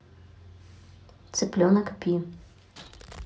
цыпленок пи